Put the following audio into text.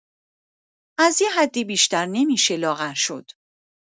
از یه حدی بیشتر نمی‌شه لاغر شد.